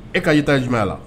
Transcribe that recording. E ka ita jumɛnya la